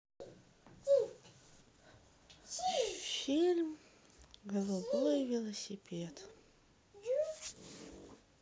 фильм голубой велосипед